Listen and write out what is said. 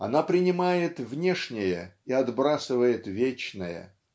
Она принимает внешнее и отбрасывает вечное.